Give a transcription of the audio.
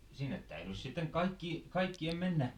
no sinne täytyi sitten kaikkia kaikkien mennä